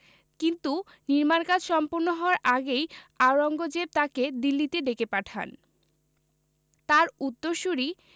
কিন্তু নির্মাণ কাজ সম্পন্ন হওয়ার আগেই আওরঙ্গজেব তাঁকে দিল্লিতে ডেকে পাঠান তাঁর উত্তরসূরি